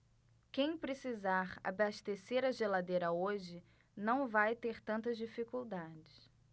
quem precisar abastecer a geladeira hoje não vai ter tantas dificuldades